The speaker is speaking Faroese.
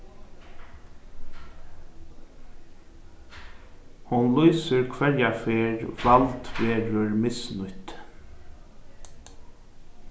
hon lýsir hvørja ferð vald verður misnýtt